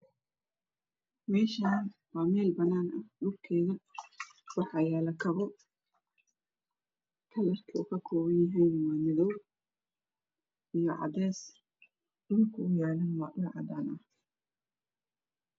Meesha waa meel banan ah dhulkeedana waxaa yalo kabo kalarka uu ka kooban yahay madow iyo cadees dhulka uu yalana waa dhul cadaan ah